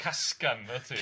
Casgan 'na ti.